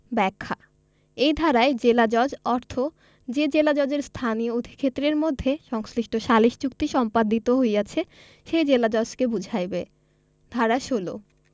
ব্যাখ্যা এই ধারায় জেলাজজ অর্থ যে জেলাজজের স্থানীয় অধিক্ষেত্রের মধ্যে সংশ্লিষ্ট সালিস চুক্তি সম্পাদিত হইয়াছে সেই জেলাজজকে বুঝাইবে ধারা ১৬